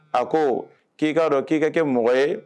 A ko k'i k'a dɔn k'i ka kɛ mɔgɔ ye